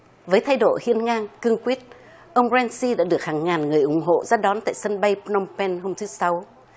với thái độ hiên ngang cương quyết ông ren si đã được hàng ngàn người ủng hộ ra đón tại sân bay pờ lom pen hôm thứ sáu